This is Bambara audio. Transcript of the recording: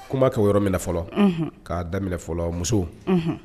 Kumakɛ yɔrɔ minɛ fɔlɔ k' daminɛ fɔlɔ muso